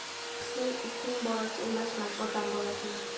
men itning bolasi emasman odam bolasiman